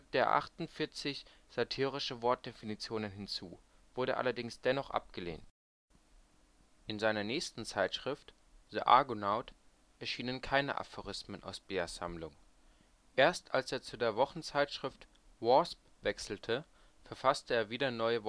er 48 satirische Wortdefinitionen hinzu, wurde allerdings dennoch abgelehnt. In seiner nächsten Zeitschrift The Argonaut erschienen keine Aphorismen aus Bierce Sammlung; erst als er zu der Wochenzeitschrift Wasp wechselte, verfasste er wieder neue Wortdefinitionen